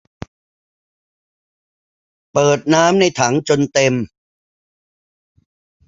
เปิดน้ำในถังจนเต็ม